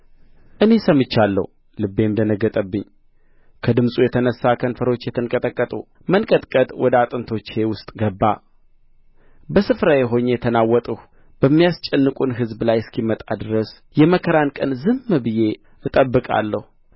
እኔ ሰምቻለሁ ልቤም ደነገጠብኝ ከድምፁ የተነሣ ከንፈሮቼ ተንቀጠቀጡ መንቀጥቀጥ ወደ አጥንቶቼ ውስጥ ገባ በስፍራዬ ሆኜ ተናወጥሁ በሚያስጨንቁን ሕዝብ ላይ እስኪመጣ ድረስ የመከራን ቀን ዝም ብዬ እጠብቃለሁ